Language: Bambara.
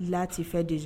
Lati fɛ de